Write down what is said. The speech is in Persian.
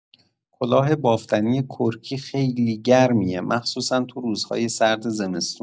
کلاه بافتنی کرکی خیلی گرمیه، مخصوصا تو روزای سرد زمستون.